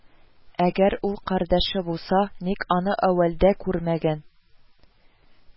Әгәр ул кардәше булса, ник аны әүвәлдә күрмәгән